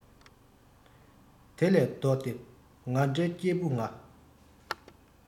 དེ ལས ལྡོག སྟེ ང འདྲའི སྐྱེས བུ འགས